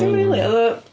Dim rili, oedd o...